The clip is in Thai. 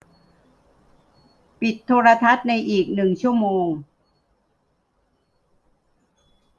ปิดโทรทัศน์ในอีกหนึ่งชั่วโมง